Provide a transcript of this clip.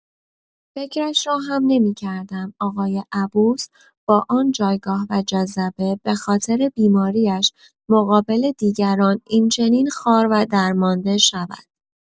فکرش را هم نمی‌کردم آقای عبوس با آن جایگاه و جذبه به‌خاطر بیماری‌اش، مقابل دیگران این‌چنین خار و درمانده شود.